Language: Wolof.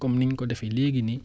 comme ni ñu ko defee léegi nii